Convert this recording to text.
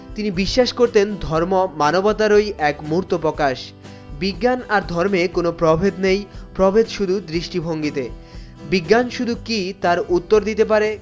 তিনি বিশ্বাস করতেন ধর্ম মানবতারই এক মূর্ত প্রকাশ বিজ্ঞান আর ধর্মের কোন প্রভেদ নেই প্রভেদ শুধু দৃষ্টিভঙ্গিতে বিজ্ঞানী শুধু কি তার উত্তর দিতে পারে